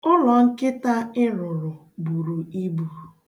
Ụlọnkịta ị rụrụ buru ibu.